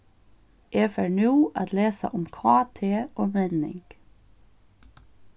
eg fari nú at lesa um kt og menning